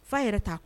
Fa yɛrɛ taa